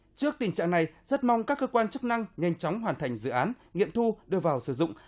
trước tình trạng này rất mong các cơ quan chức năng nhanh chóng hoàn thành dự án nghiệm thu đưa vào sử dụng